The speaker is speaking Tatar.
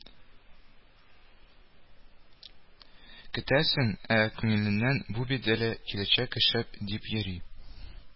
Көтәсең, ә күңелеңнән бу бит әле киләчәк эше дип йөри